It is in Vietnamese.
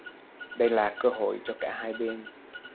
đây là cơ hội cho cả hai bên